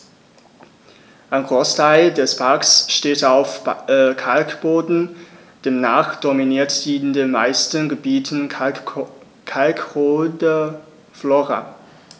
Ein Großteil des Parks steht auf Kalkboden, demnach dominiert in den meisten Gebieten kalkholde Flora.